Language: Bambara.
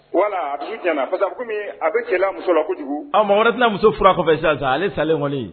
Wala a a bɛ kɔmi a bɛ keleya a muso la kojugu a ma mɔgɔ wɛrɛ tɛna muso furu ale kɔfɛ sisan ale salen kɔni